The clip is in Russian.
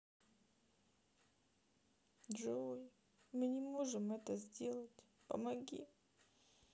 джой мы не можем это сделать помоги